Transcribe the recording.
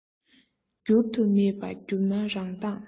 བསྒྱུར དུ མེད པ སྒྱུ མའི རང མདངས